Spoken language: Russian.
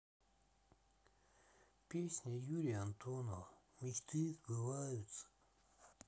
песня юрия антонова мечты сбываются